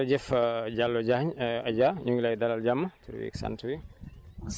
jërëjëf Diallo Diagne Adja ñu ngi lay dalal jàmm tur beeg sant bi